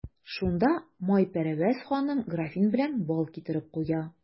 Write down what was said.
Шунда Майпәрвәз ханым графин белән бал китереп куя.